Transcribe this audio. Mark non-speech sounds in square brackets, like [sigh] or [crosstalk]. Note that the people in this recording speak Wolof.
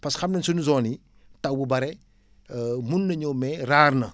parce xam nañ sunu zones yi taw bu bëre [hesitation] mun na ñëw mais rare na